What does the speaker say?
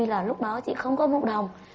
là lúc đó chị không có một đồng